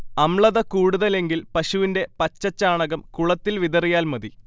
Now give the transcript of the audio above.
അമ്ലത കൂടുതലെങ്കിൽ പശുവിന്റെ പച്ചച്ചാണകം കുളത്തിൽ വിതറിയാൽമതി